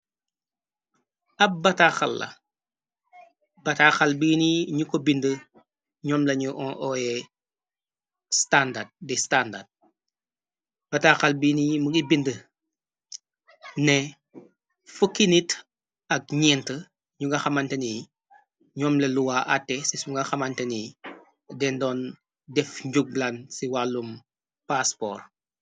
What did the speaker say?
Ab bataaxal biini ñu ko bindu ñoom lañu owe standard di standard bataaxal bini gi bindi ne fukki nit ak ñent ñu nga xamante ni ñoom le luwaa atte ci su nga xamante ni din doon def njuglan ci wàllum passpor.